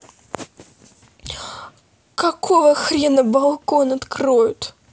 а какого хрена балкон откроет